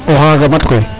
o xaaga mat koy